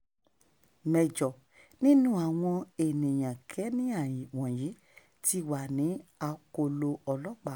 Mẹ́jọ nínú àwọn ènìyànkéènìà wọ̀nyí ti wà ní akóló ọlọ́pàá.